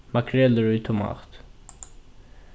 makrelur í tomat